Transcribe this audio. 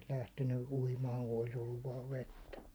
ne olisi lähtenyt uimaan kun olisi ollut vain vettä